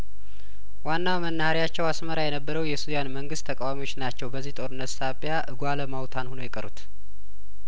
ዋና መናኸሪያቸው አስመራ የነበረው የሱዳን መንግስት ተቃዋሚዎች ናቸው በዚህ ጦርነት ሳቢያ እጓለማውታን ሆነው የቀሩት